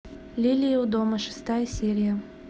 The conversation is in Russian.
лилии у дома шестая серия